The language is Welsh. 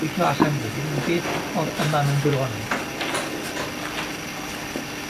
Gweithio allan wedyn, wel beth o'dd yma mewn gwron-